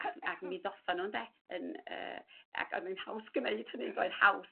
ag ag mi ddoth a n'w ynde? Yn y ag o'dd hi'n haws g'neud hynny yn doedd? Haws